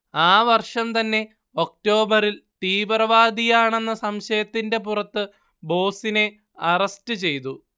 ആ വർഷം തന്നെ ഒക്ടോബറിൽ തീവ്രവാദിയാണെന്ന സംശയത്തിന്റെ പുറത്ത് ബോസിനെ അറസ്റ്റ് ചെയ്തു